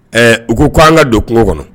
Ɛ u ko k' an ka don kungo kɔnɔ